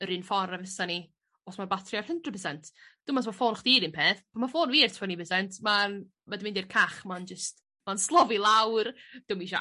yr un ffor a fysan ni os ma batri ar hundred percent. Dwn i'm os ma' ffôn chdi 'r un peth pan ma ffôn fi ar twenty percent ma'n ma'n mynd i'r cach ma'n jyst ma'n slofi lawr 'di o'm isio...